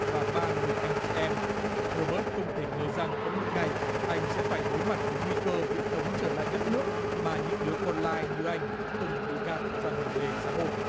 và ba người anh chị em rô bớt không thể ngờ rằng có một ngày anh sẽ phải đối mặt với nguy cơ bị tống trở lại đất nước mà những đứa con lai như anh từng bị gạt ra ngoài lề xã hội